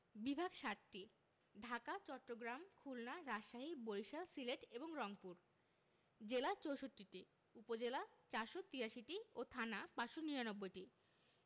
বিভাগ ৭টি ঢাকা চট্টগ্রাম খুলনা রাজশাহী বরিশাল সিলেট এবং রংপুর জেলা ৬৪টি উপজেলা ৪৮৩টি ও থানা ৫৯৯টি